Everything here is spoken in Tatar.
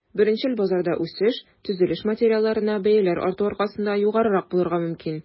Беренчел базарда үсеш төзелеш материалларына бәяләр арту аркасында югарырак булырга мөмкин.